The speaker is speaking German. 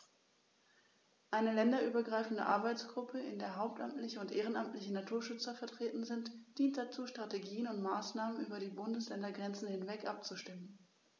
Eine länderübergreifende Arbeitsgruppe, in der hauptamtliche und ehrenamtliche Naturschützer vertreten sind, dient dazu, Strategien und Maßnahmen über die Bundesländergrenzen hinweg abzustimmen.